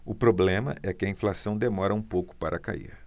o problema é que a inflação demora um pouco para cair